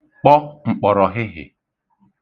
kpọ m̀kpọ̀rọ̀hịhị̀